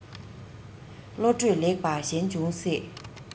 བློ གྲོས ལེགས པ གཞན འབྱུང སྲིད